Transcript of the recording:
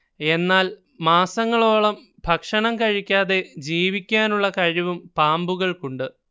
എന്നാൽ മാസങ്ങളോളം ഭക്ഷണം കഴിക്കാതെ ജീവിക്കാനുള്ള കഴിവും പാമ്പുകൾക്കുണ്ട്